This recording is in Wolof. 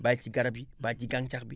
bàyyi ci garab yi bàyyi ci gàncax bi